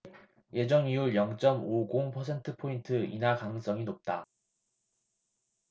예정이율 영 쩜 오 공 퍼센트포인트 인하 가능성이 높다